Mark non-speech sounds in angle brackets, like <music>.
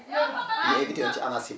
<crosstalk> ñu inviter woon si ANACIM